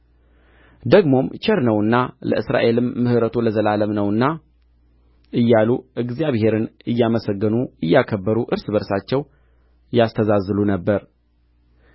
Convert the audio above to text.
ደግሞም ቸር ነውና ለእስራኤልም ምሕረቱ ለዘላለም ነውና እያሉ እግዚአብሔርንም እያመሰገኑና እያከበሩ እርስ በእርሳቸው ያስተዛዝሉ ነበር